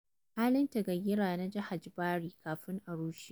Halin tagayyara na "Jahaj Bari" kafin a rushe.